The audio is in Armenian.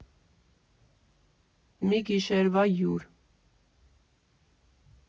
Մի գիշերվա հյուր։